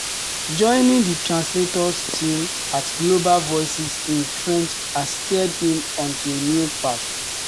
Joining the translators team at Global Voices in French has steered him onto a new path.